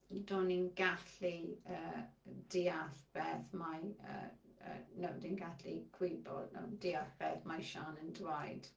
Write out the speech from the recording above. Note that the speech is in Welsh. Do'n i'n gallu yy deall beth mae... yy yy, no, dwi'n gallu gwybod... no, deall beth mae Sian yn dweud.